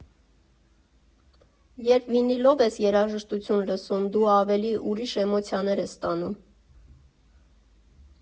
Երբ վինիլով ես երաժշտություն լսում, դու ավելի ուրիշ էմոցիաներ ես ստանում.